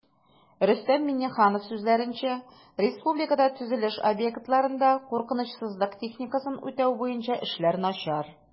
Рөстәм Миңнеханов сүзләренчә, республикада төзелеш объектларында куркынычсызлык техникасын үтәү буенча эшләр начар